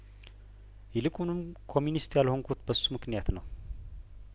ይልቁንም ኮሚኒስት ያልሆንኩት በሱምክንያት ነው